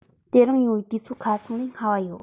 དེ རིང ཡོང བའི དུས ཚོད ཁ སང ལས སྔ བ ཡོད